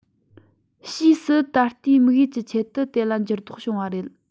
ཕྱིས སུ ད ལྟའི དམིགས ཡུལ གྱི ཆེད དུ དེ ལ འགྱུར ལྡོག བྱུང བ རེད